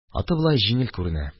Аты болай җиңел күренә.